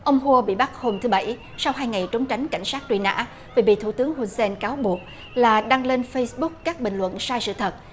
ông hua bị bắt hôm thứ bảy trong hai ngày trốn tránh cảnh sát truy nã vì bị thủ tướng hun sen cáo buộc là đăng lên phây búc các bình luận sai sự thật